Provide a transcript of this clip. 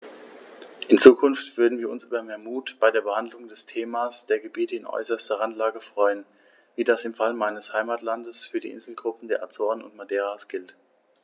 In Zukunft würden wir uns über mehr Mut bei der Behandlung des Themas der Gebiete in äußerster Randlage freuen, wie das im Fall meines Heimatlandes für die Inselgruppen der Azoren und Madeiras gilt.